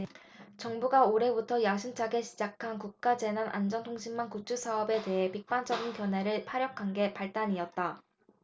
정부가 올해부터 야심차게 시작한 국가재난안전통신망 구축사업에 대해 비판적인 견해를 피력한 게 발단이었다